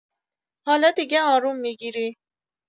حالا دیگه آروم می‌گیری؟